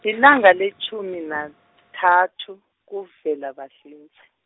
lilanga letjhumi nathathu, kuVelabahlinze.